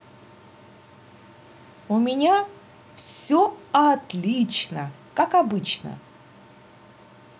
у меня все отлично как обычно